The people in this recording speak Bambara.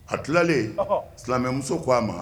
A tilalen silamɛmuso ko a ma